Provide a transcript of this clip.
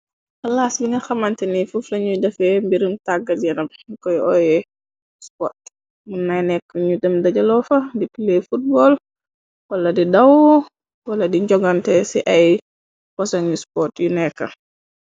Palaas bi nga xamante ni fuuf lañuy dafee mbirum tàggat yaram. Koy oye spot mën nay nekk ñu dem dajaloofa di pile footbol. Wala di daw wala di njogante ci ay posanu spot yu nekk.